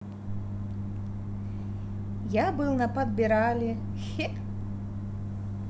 я был на подбирали хе